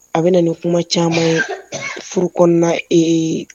A bɛ na nin kuma caman furu kɔnɔna ee